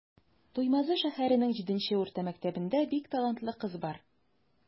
Туймазы шәһәренең 7 нче урта мәктәбендә бик талантлы кыз бар.